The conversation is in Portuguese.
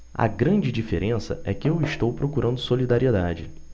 a grande diferença é que eu estou procurando solidariedade